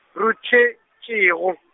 ruthetšego.